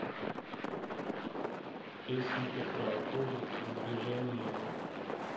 песенка про акулу с движениями